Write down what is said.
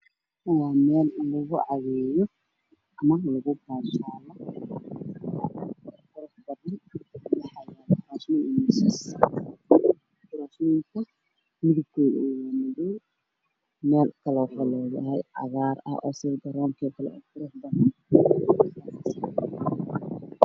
Waa meel lugu caweeyo waxaa yaalo kuraasman iyo miisas. Kuraasmanku waa madow. Waxay leedahay meel cagaaran.